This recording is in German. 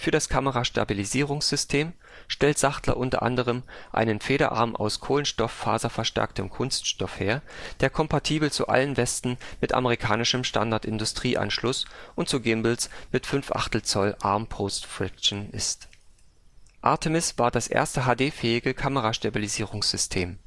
das Kamera-Stabilisierungs-System stellt Sachtler u.a. einen Federarm aus kohlenstofffaserverstärktem Kunststoff her, der kompatibel zu allen Westen mit amerikanischem Standard-Industrie-Anschluss und zu Gimbals mit 5/8 “Arm-Post Friktion ist. artemis war das erste HD-fähige Kamera-Stabilisierungs-System